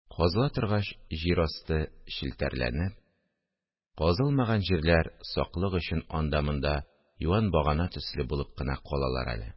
Казыла торгач, җир асты челтәрләнеп, казылмаган җирләр саклык өчен анда-монда юан багана төсле булып кына калалар әле